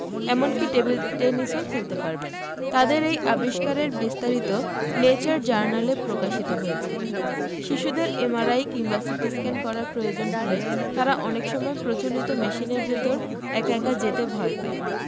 এমনকি টেবিল টেনিসও খেলতে পারবেন তাদের এই আবিষ্কারের বিস্তারিত ন্যাচার জার্নালে প্রকাশিত হয়েছে শিশুদের এমআরআই কিংবা সিটিস্ক্যান করার প্রয়োজন হলে তারা অনেক সময় প্রচলিত মেশিনের ভেতর একা একা যেতে ভয় পায়